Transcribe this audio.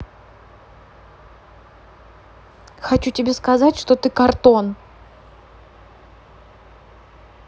хочу тебе сказать что ты cartoon